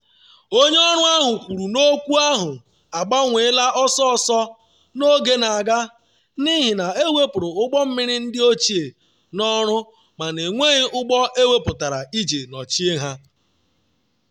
Onye ọrụ ahụ kwuru na okwu ahụ abawanyela ọsọọsọ ka n’oge na-aga, n’ihi na ewepụrụ ụgbọ mmiri ndị ochie n’ọrụ mana enweghị ụgbọ ewepụtara iji nọchie ha.